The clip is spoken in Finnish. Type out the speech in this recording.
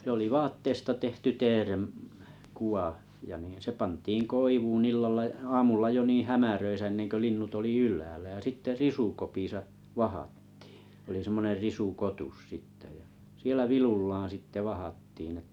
se oli vaatteesta tehty teeren kuva ja niin se pantiin koivuun illalla - aamulla jo niin hämärissä ennen kuin linnut oli ylhäällä ja sitten risukopissa vahdattiin oli semmoinen risukotus sitten ja siellä vilullaan sitten vahdattiin -